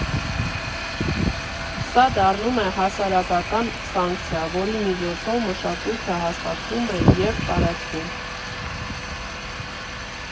Սա դառնում է հասարակական սանկցիա, որի միջոցով մշակույթը հաստատվում է և տարածվում։